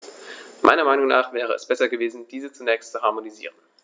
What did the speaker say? Meiner Meinung nach wäre es besser gewesen, diese zunächst zu harmonisieren.